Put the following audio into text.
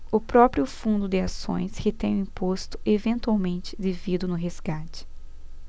o próprio fundo de ações retém o imposto eventualmente devido no resgate